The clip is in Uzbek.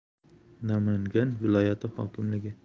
namangan viloyati hokimligi